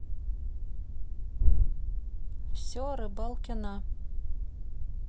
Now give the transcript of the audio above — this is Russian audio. все о рыбалке на